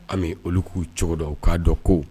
An bɛ olu k'u cogoda u k'a dɔn ko